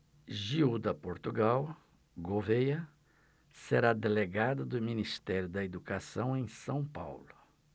gilda portugal gouvêa será delegada do ministério da educação em são paulo